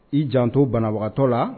I jan to banabagatɔ la